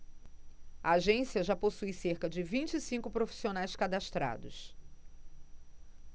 a agência já possui cerca de vinte e cinco profissionais cadastrados